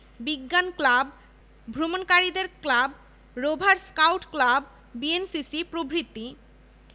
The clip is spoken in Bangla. ফুটবল ভলিবল এবং বাস্কেটবলে আন্তঃবিশ্ববিদ্যালয় প্রতিযোগিতার আয়োজন করে এই বিশ্ববিদ্যালয়ের আরও কয়েকটি নতুন বিভাগ খোলার পরিকল্পনা আছে